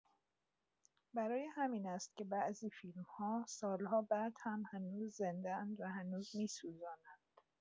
برای همین است که بعضی فیلم‌ها سال‌ها بعد هم هنوز زنده‌اند و هنوز می‌سوزانند.